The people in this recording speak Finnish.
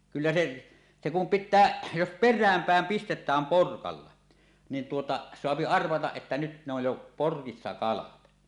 kyllä se se kun pitää jos perään päin pistetään porkalla niin tuota saa arvata että nyt ne on jo porkissa kalat